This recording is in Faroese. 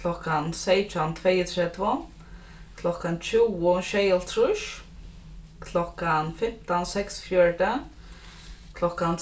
klokkan seytjan tveyogtretivu klokkan tjúgu sjeyoghálvtrýss klokkan fimtan seksogfjøruti klokkan